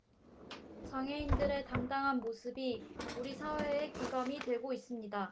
장애인들의 당당한 모습이 우리 사회의 귀감이 되고 있습니다